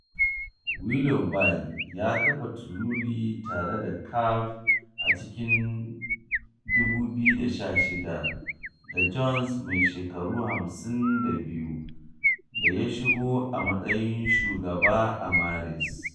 Willoughby ya kafa Truly tare da Capp a cikin 2016 da Jones, mai shekaru 52, da ya shigo a matsayin shugaba a Maris.